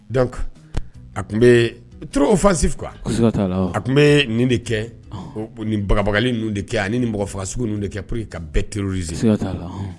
Donc _ a tun bee trop offensif quoi ko sigat'a la awɔ a tun bee nin de kɛ ɔnhɔn o bon nin bagabagali ninnu de kɛ ani nin mɔgɔfagasugu ninnu de kɛ pour que ka bɛɛ terroriser siga t'a la ɔnhɔn